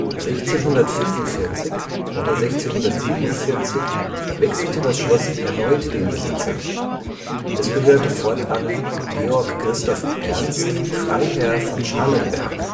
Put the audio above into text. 1645 oder 1647 wechselte das Schloss erneut den Besitzer. Es gehörte fortan Georg Christoph Ernst Freiherr von Schallenberg